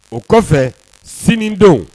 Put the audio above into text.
O kɔfɛ sinidon